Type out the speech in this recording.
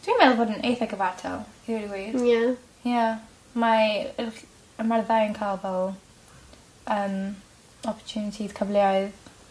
Dwi meddwl bod yn eitha gyfartal. I weud y gwir. Ie. Ie mae y ll- a ma'r ddau yn ca'l fel yym opportunities cyfleoedd.